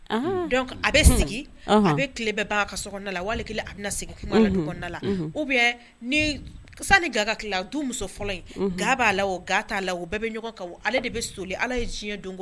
Da ni sanu gaga a muso fɔlɔ in ga b'a la o ga t'a la o bɛɛ bɛ ɲɔgɔn de bɛ so ala don